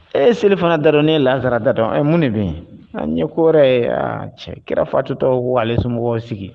Ee selifana da dɔrɔn ne lasara da dɔrɔn mun de bɛ yen an yeɔr ye cɛ kira fatutɔ waalesomɔgɔw sigi